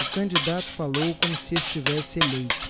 o candidato falou como se estivesse eleito